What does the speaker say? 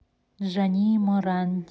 джани моранди